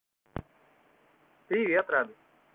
привет радость